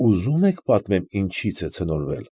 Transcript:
Ուզո՞ւմ եք պատմեմ ինչիցն է ցնորվել։